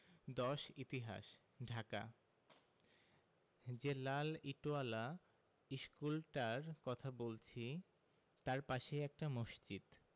১০ ইতিহাস ঢাকা যে লাল ইটোয়ালা ইশকুলটার কথা বলছি তাই পাশেই একটা মসজিদ